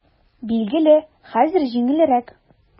Билгеле, хәзер җиңелрәк.